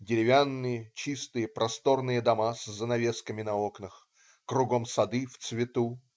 Деревянные, чистые, просторные дома, с занавесками на окнах. Кругом сады, в цвету.